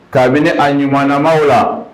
Kabini a ɲumanamanw la.